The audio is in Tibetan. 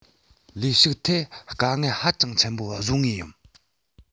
ལས ཞུགས ཐད དཀའ ངལ ཧ ཅང ཆེན པོ བཟོ ངེས ཡིན